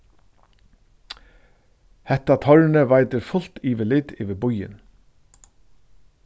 hetta tornið veitir fult yvirlit yvir býin